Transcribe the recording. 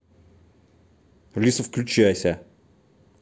алиса выключайся